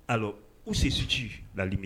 A u se suci halimi